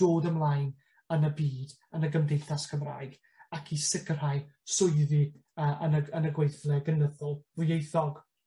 dod ymlaen yn y byd, yn y gymdeithas Gymraeg, ac i sicirhau swyddi yy yn y yn y gweithle gynyddol ddwyieithog.